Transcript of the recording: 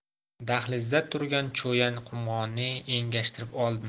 dahlizda turgan cho'yan qumg'onni engashtirib oldim